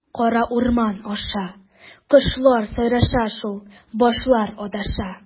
Кара урман аша, кошлар сайраша шул, башлар адаша.